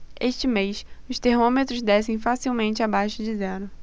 este mês os termômetros descem facilmente abaixo de zero